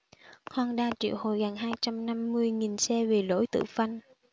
honda triệu hồi gần hai trăm năm mươi nghìn xe vì lỗi tự phanh